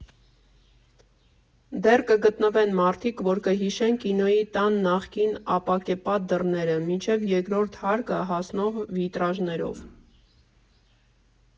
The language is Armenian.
Դեռ կգտնվեն մարդիկ, որ կհիշեն Կինոյի տան նախկին ապակեպատ դռները՝ մինչև երկրորդ հարկը հասնող վիտրաժներով։